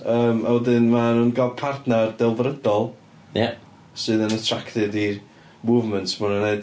Yym a wedyn maen nhw'n cael partner delfrydol... ia. ...sydd yn attracted i'r movements maen nhw'n wneud.